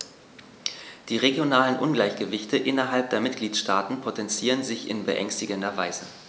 Die regionalen Ungleichgewichte innerhalb der Mitgliedstaaten potenzieren sich in beängstigender Weise.